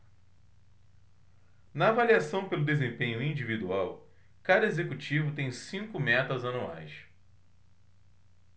na avaliação pelo desempenho individual cada executivo tem cinco metas anuais